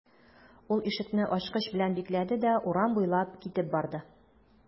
Ул ишекне ачкыч белән бикләде дә урам буйлап китеп барды.